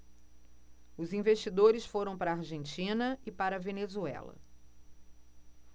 os investidores foram para a argentina e para a venezuela